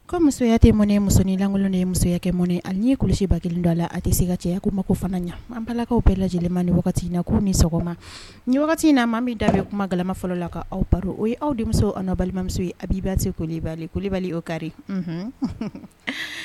Ka musoya tɛ mɔn ne musoninlankolon de ye musoyakɛ mɔn ani ye kulu ba kelen dɔ la a tɛ se ka cɛya ko ma ko fana ɲɛ an balalakaw aw bɛɛ lajɛ lajɛlen ma ni wagati in na k'u ni sɔgɔma ni wagati in na ma bɛ da kuma galama fɔlɔ la k' awaw baro o ye aw denmuso an balimamuso ye a b' se ko bali ko bali o kari